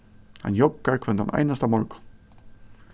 hann joggar hvønn tann einasta morgun